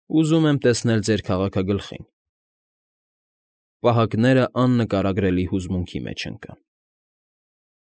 Ուզում եմ տեսնել ձեր քաղաքագլխին։ Պահակներն աննկարագրելի հուզմունքի մեջ ընկան։